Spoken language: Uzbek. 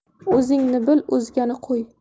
o'zingni bil o'zgani qo'y